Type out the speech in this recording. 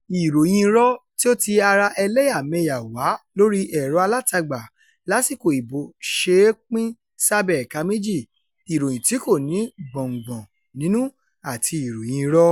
Ìròyìn irọ́ tí ó ti ara ẹlẹ́yàmẹyà wá lórí ẹ̀rọ-alátagbà lásìkò ìbò ṣe é pín sábẹ́ ẹ̀ka méjì: ìròyìn tí kò ní gbọ́ngbọ́n nínú àti ìròyìn irọ́.